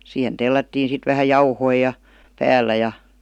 siihen tellättiin sitten vähän jauhoja ja päällä ja